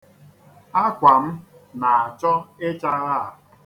Akwa m na-achọ ịchagha.